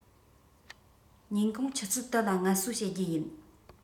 ཉིན གུང ཆུ ཚོད དུ ལ ངལ གསོ བྱེད རྒྱུ ཡིན